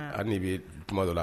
Hali ni bɛ kuma dɔ la